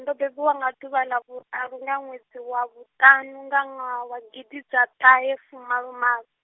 ndo bebiwa nga ḓuvha raru nga ṅwedzi wa vhu ṱanu nga ṅwaha wa gididatahefumalomal-.